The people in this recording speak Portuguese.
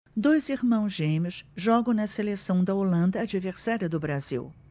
dois irmãos gêmeos jogam na seleção da holanda adversária do brasil